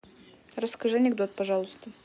расскажи анекдот пожалуйста